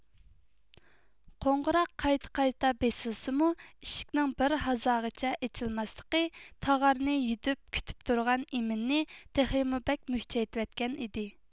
قوڭغۇراق قايتا قايتا بېسىلسىمۇ ئىشىكنىڭ بىر ھازاغىچە ئېچىلماسلىقى تاغارنى يۈدۈپ كۈتۈپ تۇرغان ئىمىننى تېخىمۇ بەك مۈكچەيتىۋەتكەن ئىدى